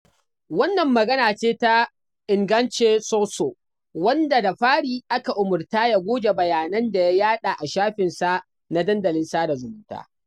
Wannan magana ce ta Ingance Sossou, wanda da fari aka umarta ya goge bayanan da ya yaɗa a shafinsa na dandalin sada zamunta.